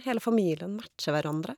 Hele familien matcher hverandre.